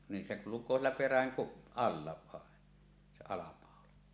niin se kulkee siellä perän - alla vain se alapaula